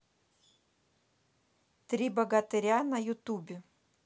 три богатыря на ютубе